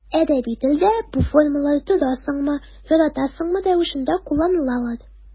Әдәби телдә бу формалар торасыңмы, яратасыңмы рәвешендә кулланылалар.